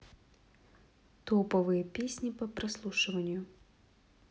топовые песни по прослушиванию